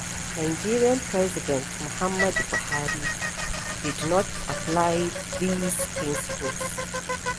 Nigerian President Muhammadu Buhari did not apply these principles.